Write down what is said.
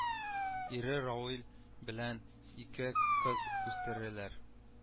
Ире равил белән ике кыз үстерәләр